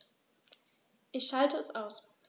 Ich schalte es aus.